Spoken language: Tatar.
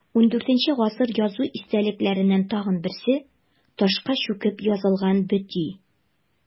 ХIV гасыр язу истәлекләреннән тагын берсе – ташка чүкеп язылган бөти.